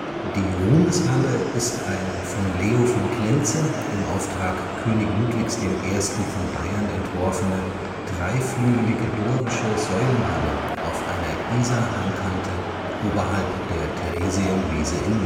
Die Ruhmeshalle ist eine von Leo von Klenze im Auftrag König Ludwigs I. von Bayern entworfene, dreiflügelige dorische Säulenhalle auf einer Isarhangkante oberhalb der Theresienwiese in